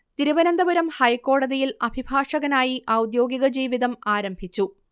തിരുവനന്തപുരം ഹൈക്കോടതിയിൽ അഭിഭാഷകനായി ഔദ്യോഗിക ജീവിതം ആരംഭിച്ചു